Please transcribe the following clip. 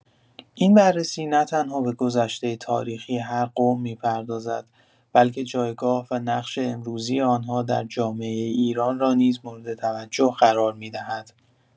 این بررسی نه‌تنها به گذشته تاریخی هر قوم می‌پردازد، بلکه جایگاه و نقش امروزی آن‌ها در جامعه ایران را نیز مورد توجه قرار می‌دهد.